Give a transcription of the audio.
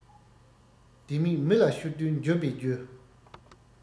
ལྡེ མིག མི ལ ཤོར དུས འགྱོད པའི རྒྱུ